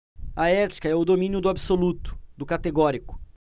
a ética é o domínio do absoluto do categórico